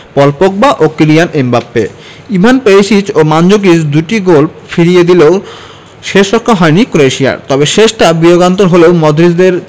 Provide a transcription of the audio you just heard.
পল Pogba ও Kylian Mbappe Ivan Perisic ও Mandzukic দুটি গোল ফিরিয়ে দিলেও শেষরক্ষা হয়নি ক্রোয়েশিয়ার তবে শেষটা বিয়োগান্তক হলেও মডরিচদের